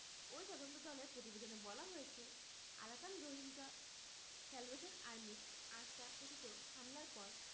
ওই তদন্তদলের প্রতিবেদনে বলা হয়েছে আরাকান রোহিঙ্গা স্যালভেশন আর্মির আরসা কথিত হামলার পর